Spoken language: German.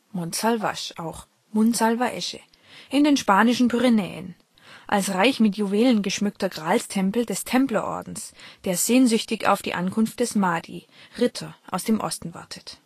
Montsalvasch (auch Munsalvaesche) in den spanischen Pyrenäen, als reich mit Juwelen geschmückter Gralstempel des Templerordens, der sehnsüchtig auf die Ankunft des Mahdi (Ritter) aus dem Osten wartet